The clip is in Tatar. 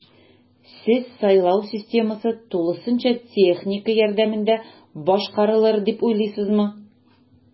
Сез сайлау системасы тулысынча техника ярдәмендә башкарарылыр дип уйлыйсызмы?